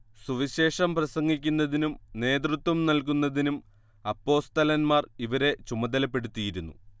സുവിശേഷം പ്രസംഗിക്കുന്നതിനും നേതൃത്വം നല്കുന്നതിനും അപ്പോസ്തലൻമാർ ഇവരെ ചുമതലപ്പെടുത്തിയിരുന്നു